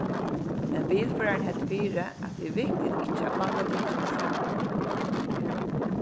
men bilførarin helt fyri at tað er viktigt ikki at blanda tingini saman